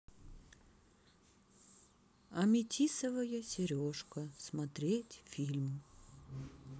аметистовая сережка смотреть фильм